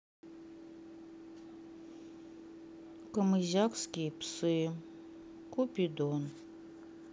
камызякские псы купидон